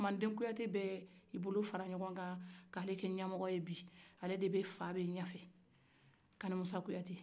mande kuyate bɛ yi bolo fara ɲɔgɔ kan ka le kɛ ɲamɔgɔ ye ale de bɛ fa bɛ ɲɛfɛ kanimusa kuyate